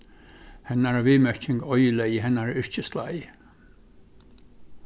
hennara viðmerking oyðilegði hennara yrkisleið